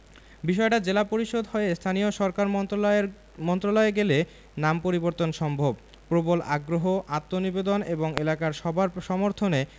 বিষয়টা জেলা পরিষদ হয়ে স্থানীয় সরকার মন্ত্রণালয়ে গেলে নাম পরিবর্তন সম্ভব প্রবল আগ্রহ আত্মনিবেদন এবং এলাকার সবার সমর্থনে